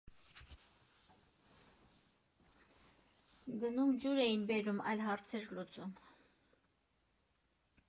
Գնում ջուր էին բերում, այլ հարցեր լուծում։